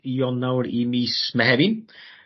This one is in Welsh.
Ionawr i mis Mehefin.